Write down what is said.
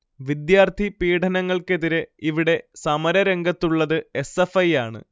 വിദ്യാർത്ഥി പീഡനങ്ങൾക്കെതിരെ ഇവിടെ സമര രംഗത്തുള്ളത് എസ്. എഫ്. ഐ യാണ്